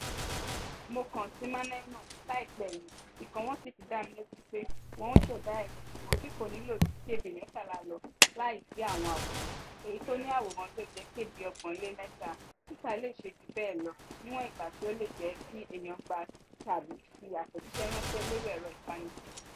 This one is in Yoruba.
Mo kàn sí Maneno láìpẹ́ yìí, ikọ̀ wọn sì fi dá mi lójú pé wọn ṣẹ̀dá ẹ̀rọ tiwọn tí kò ní lò ju 13 kb lọ lai sí àwọn àwòrán, èyí tó ní àwòrán yóò jẹ́ 33 kb. Twitter lè ṣe jù bẹ́ẹ̀ lọ níwọ̀n ìgbà tí ó lè jẹ́ kí èèyàn gbà tàbí fi àtẹ̀jíṣẹ́ ránṣẹ́ lórí ẹ̀rọ ìbánisọ̀rọ̀.